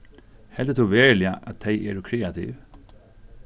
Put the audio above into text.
heldur tú veruliga at tey eru kreativ